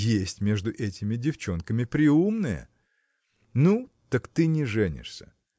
есть между этими девчонками преумные! Ну, так ты не женишься.